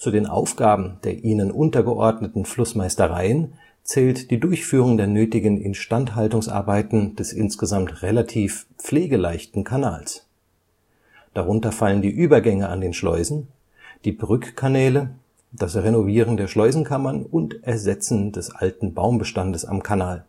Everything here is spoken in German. den Aufgaben der ihnen untergeordneten Flussmeistereien zählt die Durchführung der nötigen Instandhaltungsarbeiten des insgesamt relativ pflegeleichten Kanals. Darunter fallen die Übergänge an den Schleusen, die Brückkanäle, das Renovieren der Schleusenkammern und Ersetzen des alten Baumbestandes am Kanal